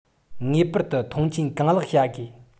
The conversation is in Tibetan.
ངེས པར དུ མཐོང ཆེན གང ལེགས བྱ དགོས